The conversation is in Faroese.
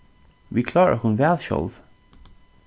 vit klára okkum væl sjálv